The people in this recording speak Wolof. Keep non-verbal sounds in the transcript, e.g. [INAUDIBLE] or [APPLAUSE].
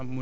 [HESITATION] [HESITATION]